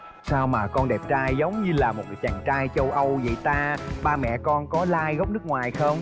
sao mà con đẹp trai giống như là một chàng trai châu âu vậy ta ba mẹ con của lai gốc nước ngoài không